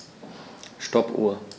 Stoppuhr.